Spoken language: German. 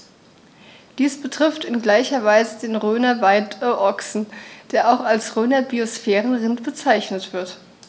Dies betrifft in gleicher Weise den Rhöner Weideochsen, der auch als Rhöner Biosphärenrind bezeichnet wird.